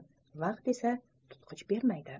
vaqt esa tutqich bermaydi